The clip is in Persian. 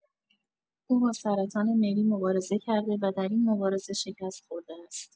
او با سرطان مری مبارزه کرده و در این مبارزه شکست‌خورده است.